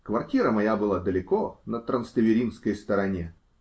квартира моя была далеко, на Транстеверинской стороне.